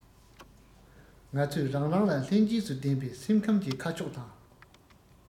ང ཚོས རང རང ལ ལྷན སྐྱེས སུ ལྡན པའི སེམས ཁམས ཀྱི ཁ ཕྱོགས དང